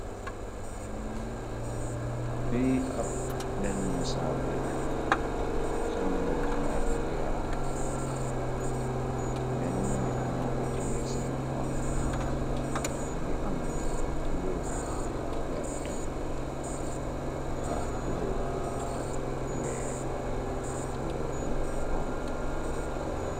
Rii ab benn saabu la sangokaay yaram benn nit moko tie ci laxoam mngi am ay kulóur yu werta ak kulór yu wee ak culóru xonghu.